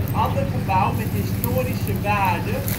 ander gebouw met historische waarde